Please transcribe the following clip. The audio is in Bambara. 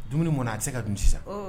Dumuni mɔn a tɛ se ka sisan